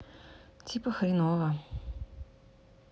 типа хреново